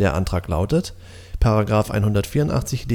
Antrag lautet, § 184d